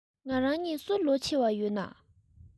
ང རང གཉིས སུ ལོ ཆེ བ ཡོད ན